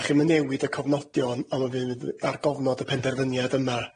Dach chi'm yn newid y cofnodion, on' mi fydd ar gofnod y penderfyniad yma